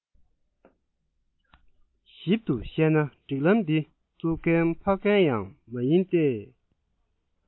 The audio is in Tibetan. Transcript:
ཞིབ ཏུ བཤད ན སྒྲིག ལམ འདི འཛུགས མཁན ཕ རྒན ཡང མ ཡིན ཏེ